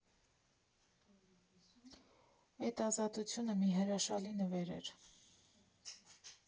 Էդ ազատությունը մի հրաշալի նվեր էր։